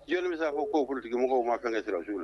Diɲɛ bɛ se ko' kunnafonitigi mɔgɔw ma kan kɛ sira' la